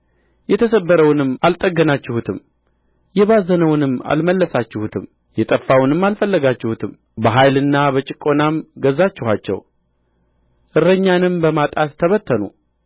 የተሰበረውንም አልጠገናችሁትም የባዘነውንም አልመለሳችሁትም የጠፋውንም አልፈለጋችሁትም በኃይልና በጭቈናም ገዛችኋቸው እረኛንም በማጣት ተበተኑ